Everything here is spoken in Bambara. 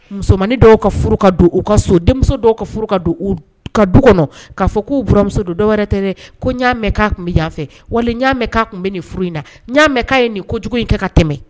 Musomanin dɔw ka furu ka don u ka so denmuso dɔw ka furu ka don u ka du kɔnɔ k'a fɔ k'u buranmuso don dɔwɛrɛ tɛ dɛ ko n y'a mɛn k'a tun bɛ yanfɛ wali n y'a mɛn k'a tun bɛ nin furu in na n y'a mɛn k'a ye nin kojugu in kɛ ka tɛmɛ